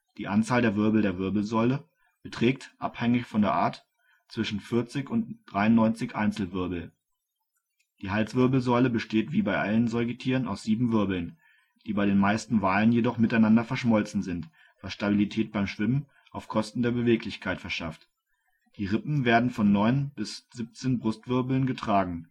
Die Anzahl der Wirbel der Wirbelsäule beträgt abhängig von der Art zwischen 40 und 93 Einzelwirbel. Die Halswirbelsäule besteht wie bei allen Säugetieren aus sieben Wirbeln, die bei den meisten Walen jedoch miteinander verschmolzen sind, was Stabilität beim Schwimmen auf Kosten der Beweglichkeit verschafft. Die Rippen werden von neun bis 17 Brustwirbeln getragen